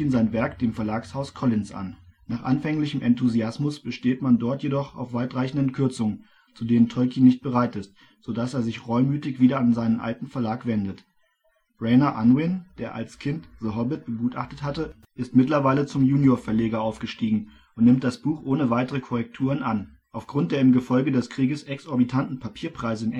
sein Werk dem Verlagshaus Collins an. Nach anfänglichem Enthusiasmus besteht man dort jedoch auf weitreichenden Kürzungen, zu denen Tolkien nicht bereit ist, so dass er sich reumütig wieder an seinen alten Verlag wendet. Rayner Unwin, der als Kind den The Hobbit begutachtet hatte, ist mittlerweile zum Juniorverleger aufgestiegen und nimmt das Buch ohne weitere Korrekturen an. Aufgrund der im Gefolge des Krieges exorbitanten Papierpreise